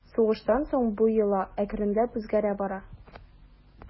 Сугыштан соң бу йола әкренләп үзгәрә бара.